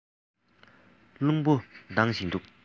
རླུང བུ ལྡང བཞིན འདུག